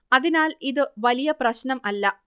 അതിനാൽ ഇതു വലിയ പ്രശ്നം അല്ല